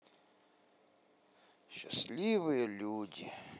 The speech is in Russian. счастливые люди